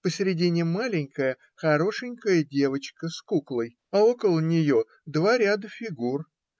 посередине маленькая хорошенькая девочка с куклой, а около нее два ряда фигур.